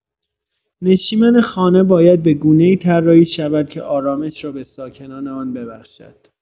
نشیمن خانه باید به گونه‌ای طراحی شود که آرامش را به ساکنان آن ببخشد.